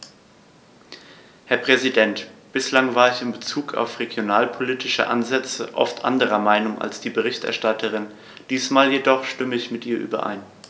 Herr Präsident, bislang war ich in bezug auf regionalpolitische Ansätze oft anderer Meinung als die Berichterstatterin, diesmal jedoch stimme ich mit ihr überein.